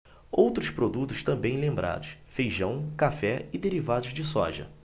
outros produtos também lembrados feijão café e derivados de soja